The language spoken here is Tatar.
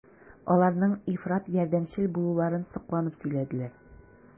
Аларның ифрат ярдәмчел булуларын сокланып сөйләделәр.